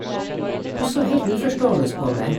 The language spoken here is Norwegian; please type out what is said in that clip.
Hun så helt uforstående på meg.